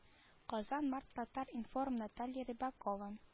Казан март татар-информ наталья рыбакова